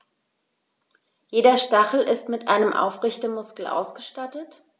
Jeder Stachel ist mit einem Aufrichtemuskel ausgestattet.